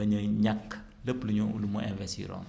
bañ a ñàkk lépp lu ñu lu mu investir